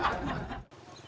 gì